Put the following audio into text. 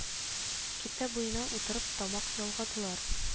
Киртә буена утырып тамак ялгадылар